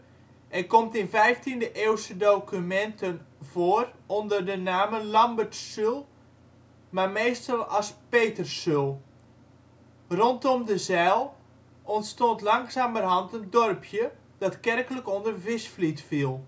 komt in 15e-eeuwse documenten voor onder de namen ' Lambertssül ', maar meestal als ' Peterssül '. Rondom de zijl ontstond langzamerhand een dorpje, dat kerkelijk onder Visvliet viel